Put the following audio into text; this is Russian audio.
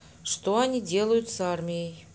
что они делают с армией